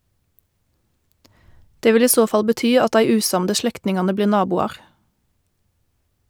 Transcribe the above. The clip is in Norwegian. Det vil i så fall bety at dei usamde slektningane blir naboar.